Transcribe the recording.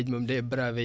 dëgër bopp dem